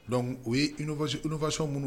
Dɔnku u yefafasɔnw minnu